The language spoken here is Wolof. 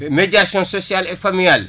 médiation sociale et familiale ;fra